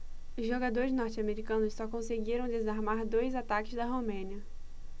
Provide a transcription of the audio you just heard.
os jogadores norte-americanos só conseguiram desarmar dois ataques da romênia